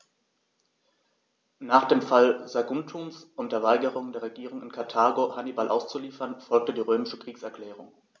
Nach dem Fall Saguntums und der Weigerung der Regierung in Karthago, Hannibal auszuliefern, folgte die römische Kriegserklärung.